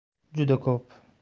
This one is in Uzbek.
juda ko'p